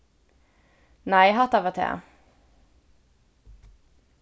nei hatta var tað